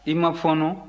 i ma fɔɔnɔ